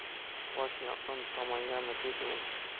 boshing oqqan tomongami dedi